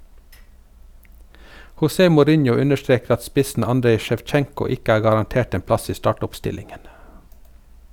José Mourinho understreker at spissen Andrej Sjevtsjenko ikke er garantert en plass i startoppstillingen.